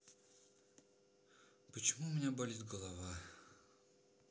почему у меня болит голова